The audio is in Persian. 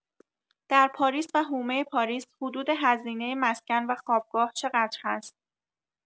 در پاریس وحومه پاریس حدود هزینه مسکن و خوابگاه چقدر هست؟